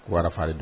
Ko warifarin don